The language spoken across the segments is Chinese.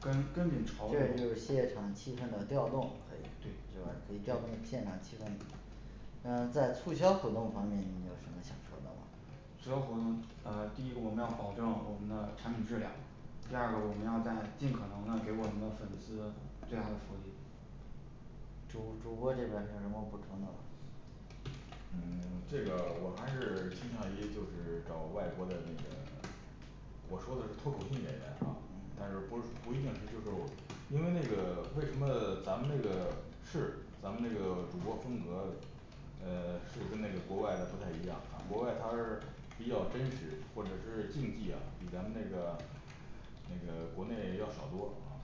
跟跟紧潮流对是吧，你调动现场对气氛。嗯在促销活动方面你有什么想说的吗？促销活动呃第一个我们要保证我们的产品质量第二个我们要在尽可能的给我们的粉丝最大的福利主主播这边儿有什么补充的吗？嗯 这个我还是倾向于就是找外国的那个，我说的是脱口性演员啊但是不是不一定是就是，因为那个为什么咱们那个是，咱们那个主播风格呃是跟那个国外的不太一样啊，国外他是比较真实，或者是竞技啊，比咱们那个那个国内要少多啊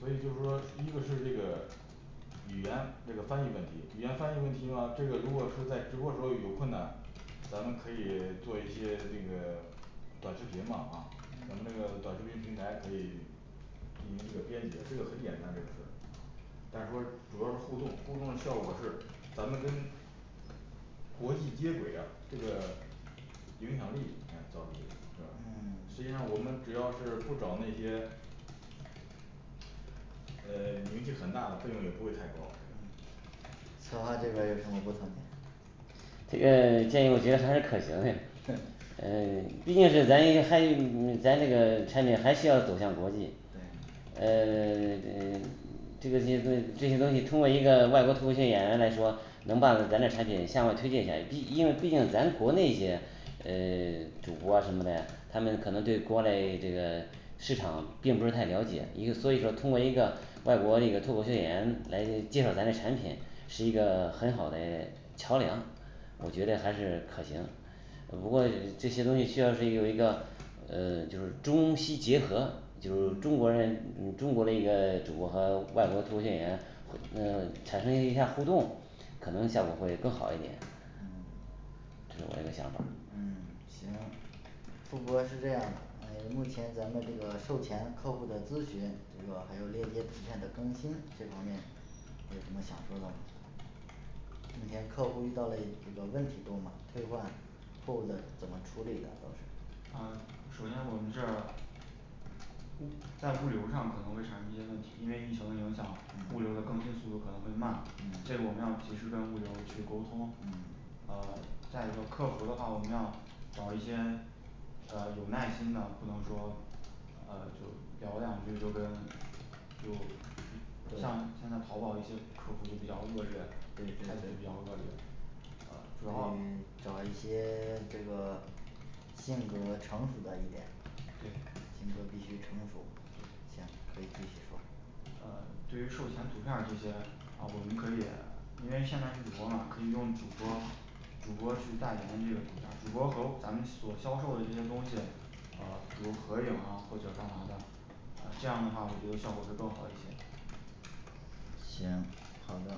所以就是说，一个是这个语言这个翻译问题，语言翻译问题呢这个如果是在直播的时候有困难咱们可以做一些这个短视频嘛啊，咱们这个短视频平台可以进行这个编辑，这个很简单这个事但是说主要是互动，互动的效果是咱们跟国际接轨啊，这个影响力诶到时候就嗯是吧策划这边儿有什么补充的这个建议我觉得还是可行的，嗯毕竟是咱这个还嗯咱这个产品还是要走向国际对呃 这个这些东西 这些东西通过一个外国脱口秀演员来说，能把咱的产品向外推荐一下，因因为毕竟咱们国内也呃 主播啊什么的，他们可能对国外的这个市场并不是太了解，一个说一个通过一个外国一个脱口秀演员来介绍咱嘞产品是一个很好嘞桥梁，我觉得还是可行呃不过这些东西需要是一个呃就是中西结合，就是中国人，你中国的一个主播和外国的脱口秀演员，会 呃产生一下互动，可能效果会更好一点嗯这我嘞一个想法儿嗯行不过是这样的，目前咱的这个售前客户的咨询一个，还有这些体验的中心这方面，还有什么想说的吗？以前客户遇到嘞这个问题多吗，退换，破损怎么处理的都是呃首先我们这物 在物流上可能会产生一些问题，因为疫情的影响，物嗯流的更新速度可能会慢，这个我们嗯要及时跟物流去沟通嗯呃再一个客服的话，我们要找一些呃有耐心的，不能说呃就聊两句就跟，就像现在淘宝一些客服就比较恶劣，态度就比较恶劣。嗯主要找一些 这个性格成熟的一点，就对是说必须成熟行对，可以继续说呃对于售前图片儿这些，啊我们可以因为现在是主播嘛，可以用主播主播去代言的这个图片儿，主播和咱们所销售的这些东西，呃比如合影啊或者干嘛的这样的话我觉得效果会更好一些行，好的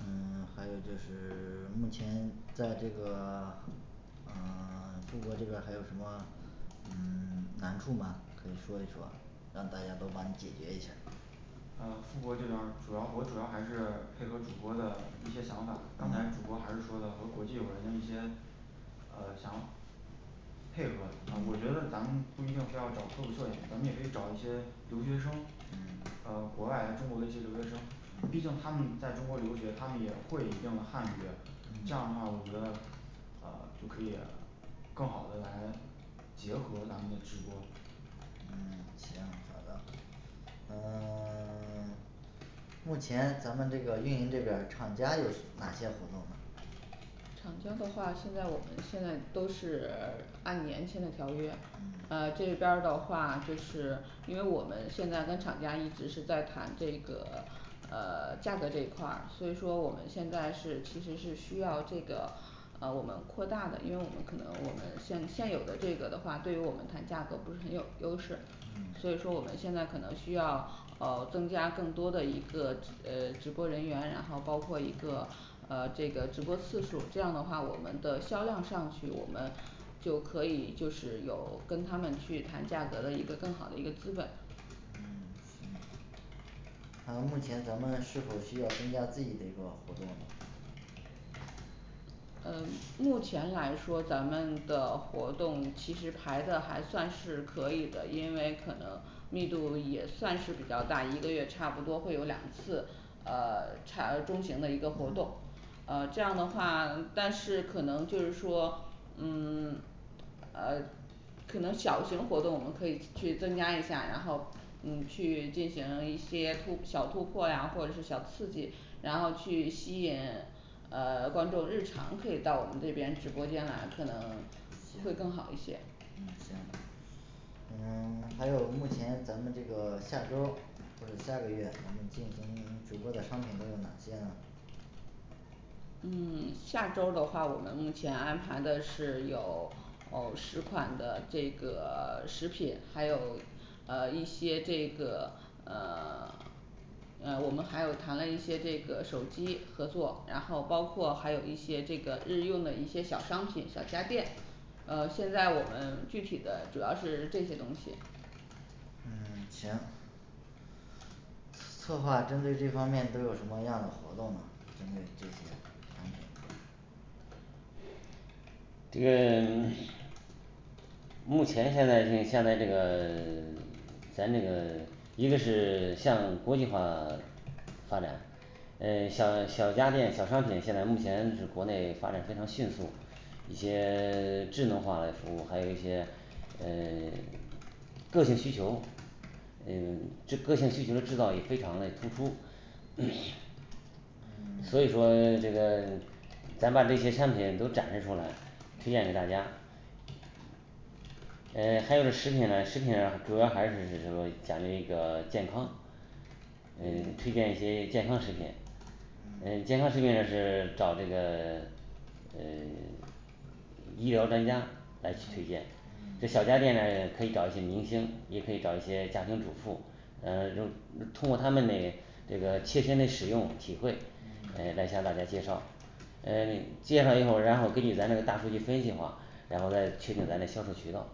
嗯 还有就是 目前在这个， 呃 副播这边儿还有什么，嗯 难处吗？可以说一说，让大家都帮你解决一下呃副播这边儿主要我主要还是配合主播的一些想法，刚才主播还是说的和国际友人的一些，呃想，配合呃我觉得咱们不一定非要找脱口秀演员，咱们也可以找一些留学生嗯呃国外来中国的一些留学生。毕竟他们在中国留学他们也会一定的汉语这样的话我觉得呃就可以更好的来结合咱们的直播嗯行好的，嗯 目前咱们这个运营这边，厂家有哪些活动呢厂家的话现在我们现在都是按年签的条约，嗯呃这边儿的话就是，因为我们现在跟厂家一直是在谈这个呃价格一块儿所以说我们现在是其实是需要这个呃我们扩大的，因为我们可能我们现现有的这个的话对于我们谈价格不是很有优势所以嗯说我们现在可能需要哦增加更多的一个呃直播人员，然后包括一个呃这个直播次数，这样的话我们的销量上去，我们就可以就是有跟他们去谈价格的一个更好一个的资本嗯行那目前咱们是否需要增加自己的一个活动呢？呃目前来说咱们的活动其实排的还算是可以的，因为可能密度也算是比较大，一个月差不多会有两次呃插了中型的一个活动，呃这样的话但是可能就是说，嗯 呃可能小型活动可以去增加一下，然后嗯去进行一些突小突破呀或者是小刺激然后去吸引呃观众日常会到我们这边直播间来可能会更好一些嗯行，嗯 还有目前咱们的这个下周儿或者是下个月咱们进行直播的商品都有哪些呢？嗯 下周的话我们目前安排的是有欧十款的这个呃食品，还有呃一些这个呃 呃我们还有谈了一些这个手机合作，然后包括还有一些这个日用的一些小商品小家电呃现在我们具体的主要是这些东西嗯行，策划针对这方面都有什么样的活动呢针对这些产品这个，目前现在这现在这个呃 咱这个一个是向国际化发展呃小小家电小商品现在目前是国内发展非常迅速一些智能化的服务，还有一些呃 个性需求呃 就个性需求的制造也非常嘞突出所以嗯说这个，咱把这些亮点都展示出来，推荐给大家呃还有食品啊食品啊主要还是就是说讲究一个健康呃推荐一些健康食品，呃健康食品是找这个呃 医疗专家来推荐，这小家电可以找一些明星也可以找一些家庭主妇呃就通过他们那里这个切身的使用体会来向大家介绍呃 介绍以后然后根据咱这个大数据分析话，然后再确定咱嘞销售渠道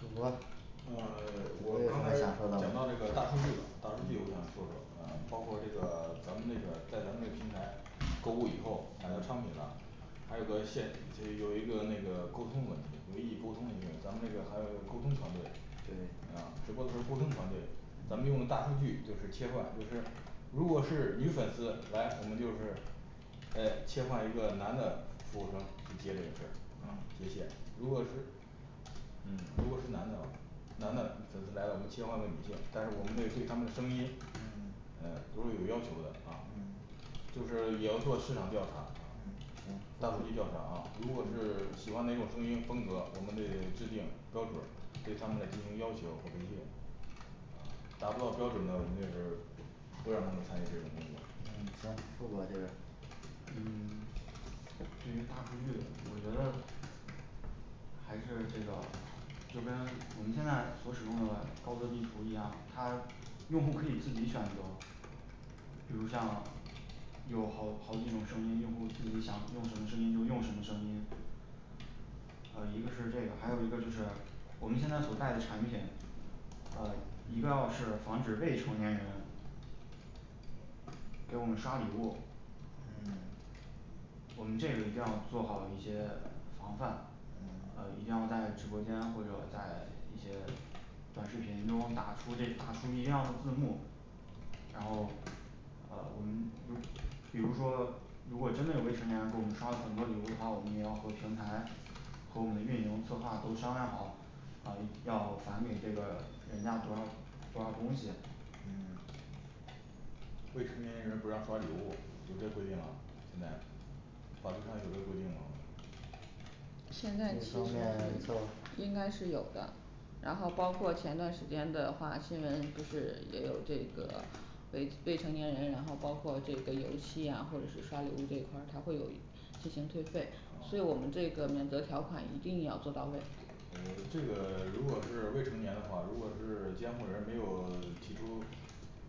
主播呃你 我有刚才什讲么到想这个说大数的据了吗，大数据我想说说呃包括这个咱们这个在咱们这个平台购物以后，买到商品了还有个县就有一个那个沟通的问题，有异议沟通的一个，咱们这个还有一个沟通团队对呀直播的时候沟通团队，咱们用大数据就是切换，就是如果是女粉丝来，我们就是哎切换一个男的服务生去接这个事啊，接线，如果是，嗯如果是男的男的，就是来了我们切换一个女性。但是我们那个对他们呃声音诶都是有要求的啊就是也要做市场调查啊，嗯行大数据调查啊。如果是喜欢哪种声音风格，我们得制定标准儿给他们的进行要求和培训，达不到标准的我们就是不让他们参与这份工作副播这边儿嗯 就是大数据，我觉得还是这个就跟我们现在所使用的高德地图一样，他用户可以自己选择比如像有好好几种声音，用户自己想用什么声音就用什么声音呃一个是这个，还有一个是我们现在所带的产品呃一个要是防止未成年人给我们刷礼物嗯我们这个一定要做好一些防范一定要在直播间，或者是在一些短视频中打出这 打出一定要的字幕然后呃我们就比如说如果真的有未成年人给我们刷了很多礼物的话，我们也要和平台和我们的运营策划都商量好啊要返给这个人家多少多少东西嗯未成年人不让刷礼物，有这规定啊？现在，法律上有这规定吗？现在这应该是有的然后包括前段时间的话新闻就是也有这个未未成年人，然后包括这个游戏啊或者是刷礼物这块儿，他会有进行退费所以我们啊这个免责条款一定要做到位呃这个如果是未成年的话，如果是监护人没有提出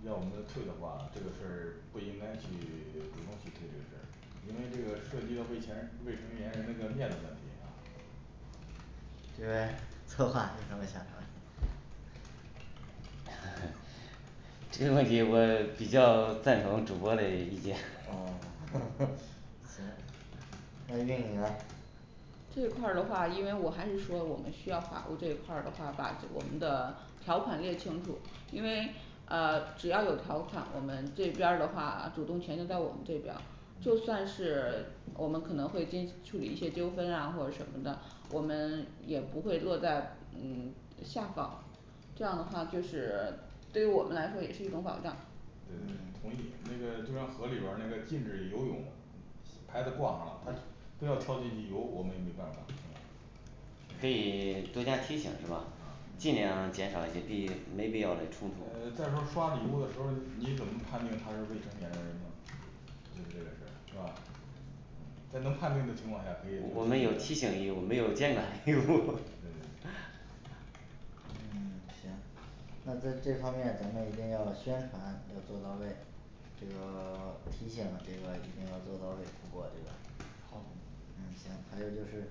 要我们那退的话，这个事儿不应该去主动提退这个事儿因为这个涉及到未前 未成年人的这个面子的问题啊这边 策划说一下 这个问题我比较赞同主播嘞意见 哦 行那运营呢这一块儿的话因为我还是说我们需要法务这一块儿的话把我们的条款列清楚因为呃只要有条款，我们这边儿的话主动权就在我们这边儿嗯就算是对我们可能会经处理一些纠纷啊或者什么的，我们也不会落在嗯就下方这样的话就是对于我们来说也是一种保障对，同意，那个就像是河里边儿 那个禁止游泳，牌子挂上了，他都要跳进去游，我们也没办法是吧？可以多加提醒是吧尽量减少一些必 没必要的冲突呃但是刷礼物的时候你怎么判定他是未成年人呢？对不对这个事儿，是吧？嗯在能判定的情况下可以我们有提醒义务，没有监管 义务对对对嗯行，那这这一方面咱们一定要宣传要做到位这个 提醒这个一定要做到位副播这个好嗯行，还有就是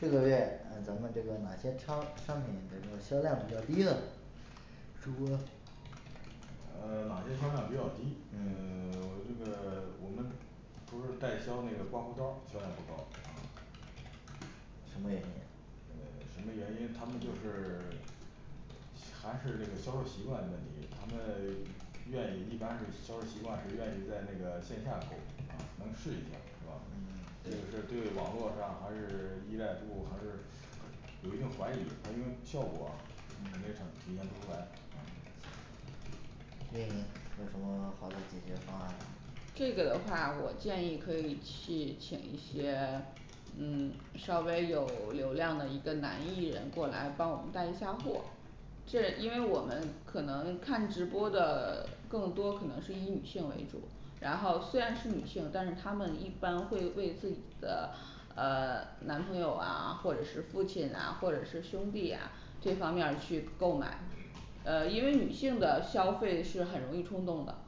这个月，嗯咱们这个哪些商商品的销量比较低的主播呃哪些销量比较低，呃 这个 我们不是代销那个刮胡刀儿，销量不高啊什么原因呃 什么原因他们就是 还是这个销售习惯问题，他们愿意一般是销售习惯是愿意在那个线下购啊，能试一下是吧？这个是嗯对于网络上还是依赖度还是呃有一定怀疑，怀疑那个效果啊肯定他体现不出来，嗯运营，有什么好的解决方案？这个的话我建议可以去请一些嗯 稍微有有样的一个男艺人过来帮我们带一下货这因为我们可能看直播的更多可能是以女性为主然后虽然是女性，但是她们一般会为自己的呃 男朋友啊或者是父亲啊或者是兄弟啊这些方面儿去购买呃因为女性的消费是很容易冲动的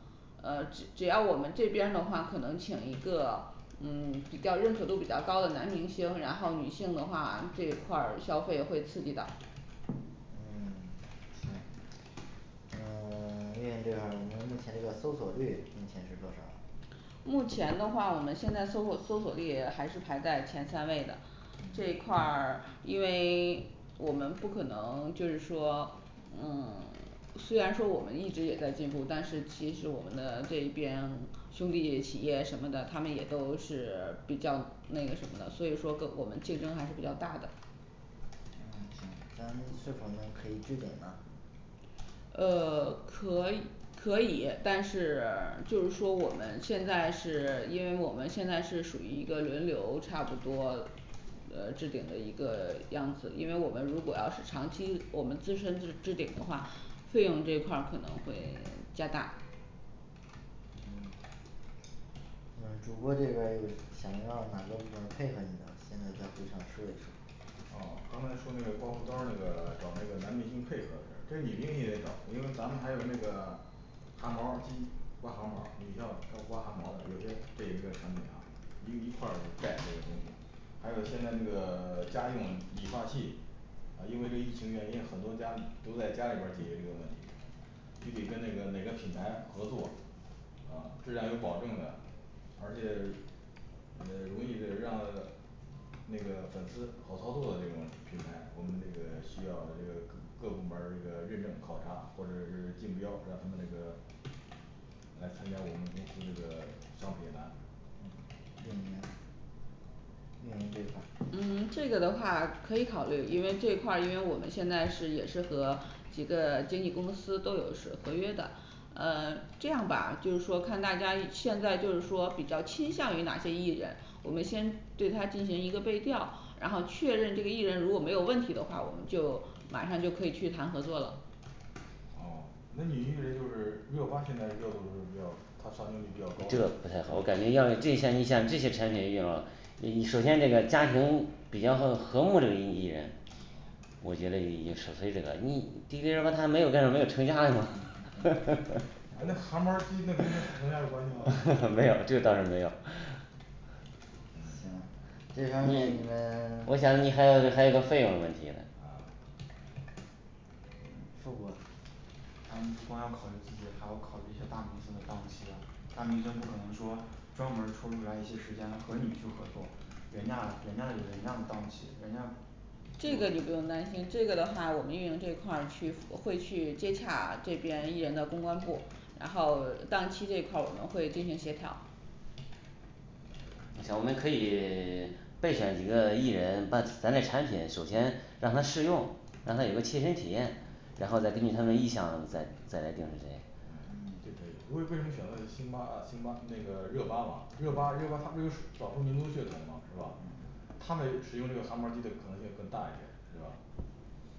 呃只要我们这边的话可能请一个嗯比较认可度比较高的男明星，然后女性的话这一块儿消费会刺激到嗯 行嗯 运营这边儿我们目前这个搜索率目前是多少儿？目前的话我们现在搜索搜索率还是排在前三位的这一块嗯儿因为 我们不可能就是说呃 虽然说我们一直也在进步，但是其实我们的这边兄弟企业什么的他们也都是比较那个什么的，所以个 我们竞争还是比较大的嗯行，咱是否能可以置顶呢？呃 可以可以，但是就是说我们现在是因为我们现在是属于一个轮流差不多呃置顶的一个样子。因为我们如果要是长期我们自身置置顶的话，费用这块儿可能会加大主播这个想要哪个部门配合你一下现在在会议上说一下哦刚才说那个刮胡刀儿那个找那个男明星配合的事儿，这女明星也得找，因为咱们还有那个汗毛儿机，刮汗毛儿女性它是刮汗毛儿的，有些这也是个产品啊一一块儿都带这个东西，还有现在这个家用理发器呃因为这个疫情原因很多家都在家里边儿解决这个问题具体跟那个哪个品牌合作，啊质量有保证的，而且呃容易的让那个粉丝好操作的这个品牌，我们这个需要这个各部门儿这个认证考察或者是竞标，让他们这个来参加我们公司这个商品栏运营，运营这块儿嗯 这个的话可以考虑，因为这块因为我们现在是也是和几个经纪公司都是有是合约的呃这样吧就是说看大家现在就是说比较倾向于哪些艺人，我们先对他进行一个备调然后确认这个艺人如果没有问题的话，我们就马上就可以去谈合作了哦那女艺人就是热巴现在热度是比较她上镜率比较这不太高的好感觉要对着你像这些产品要你首先这个家庭比较和睦的这么一个艺人我觉得也首推这个，你迪丽热巴他没有这样没有成家的嘛 啊那汗毛儿机那跟那成家有关系吗？没有，这倒是没有 行嗯，这方面你们我想你还有这还有个费用问题呢啊凑合儿咱们不光要考虑自己，还要考虑一些大明星的档期大明星不可能说专门儿抽出来一些时间和你去合作嗯人家人家有人家的档期人家这个你不用担心，这个的话我们运营这块儿去会去接洽这边艺人的公关部然后档期这块儿我们会进行协调行我们可以 备选几个艺人，把咱嘞产品首先让他试用让他有个切身体验，然后再根据他的意向再再来定谁这可以，嗯 为为什么选择辛巴辛巴那个热巴嘛热巴热巴她不是有少数民族的血统吗是吧？她们使用这个汗毛儿机的可能性更大一点是吧？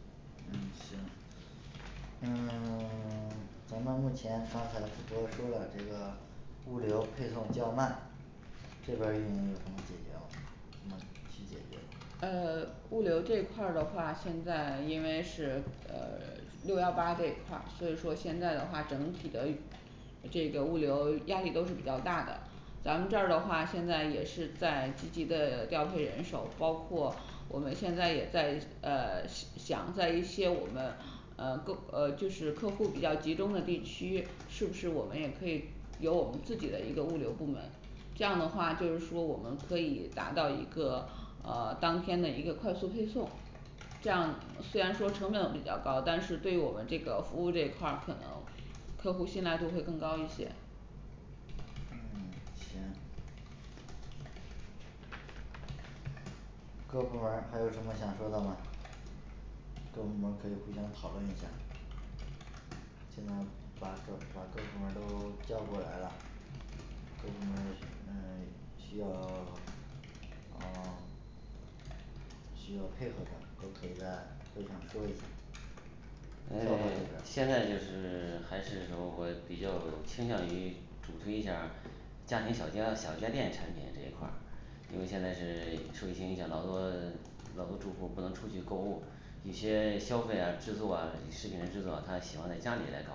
嗯行嗯 我们目前刚才不都说了这个物流配送较慢，这边儿有没有方法解决吗，嗯 去解决呃 物流这块儿的话现在因为是呃六幺八这块儿所以说现在的话整体的这个物流压力都是比较大的咱们这儿的话现在也是在积极的调配人手，包括我们现在也在呃想在一些我们呃够呃就是客户比较集中的地区，是不是我们也可以有我们自己的一个物流部门这样的话就是说我们可以达到一个呃当天的一个快速配送。这样虽然说成本比较高，但是对于我们这个服务这一块儿可能客户信赖度会更高一些嗯行各部门儿还有什么想说的吗？各部门儿可以互相讨论一下，现在把各把各部门儿都叫过来了各部门儿呃需要 呃 需要配合的都可以在会上说一下策划这边儿现在就是还是说我比较倾向于主推一下家庭小家小家电产品这一块儿因为现在是受疫情影响，老多老多住户儿不能出去购物，有些消费啊制作啊食品的制作啊他喜欢在家里来搞